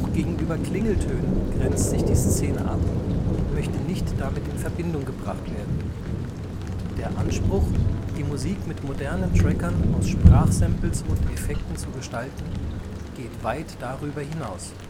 gegenüber Klingeltönen grenzt sich die Szene ab und möchte nicht damit in Verbindung gebracht werden. Der Anspruch, die Musik mit modernen Trackern aus Sprachsamples und Effekten zu gestalten, geht weit darüber hinaus